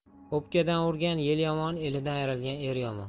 o'pkadan urgan yel yomon elidan ayrilgan er yomon